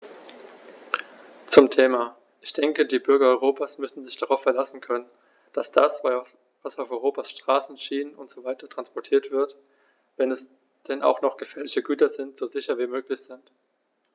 Zum Thema: Ich denke, die Bürger Europas müssen sich darauf verlassen können, dass das, was auf Europas Straßen, Schienen usw. transportiert wird, wenn es denn auch noch gefährliche Güter sind, so sicher wie möglich ist.